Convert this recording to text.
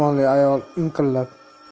ro'molli ayol inqillab